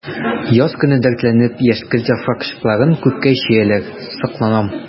Яз көне дәртләнеп яшькелт яфракчыкларын күккә чөяләр— сокланам.